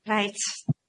Reit.